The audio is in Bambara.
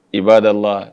I b'ada la